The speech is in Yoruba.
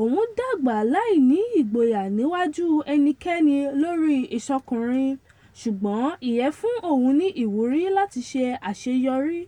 òwun dàgbà láìní ìgboyà níwájú ẹnikẹ́ni lórí ìṣokùnrin - ṣùgbọ́n ìyẹn fún òun ní ìwúrí láti ṣe àṣeyọrí.